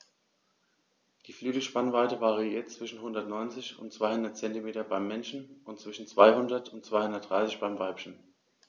Die Flügelspannweite variiert zwischen 190 und 210 cm beim Männchen und zwischen 200 und 230 cm beim Weibchen.